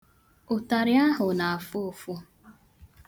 Ụtarị ahụ na-afụ ụfụ.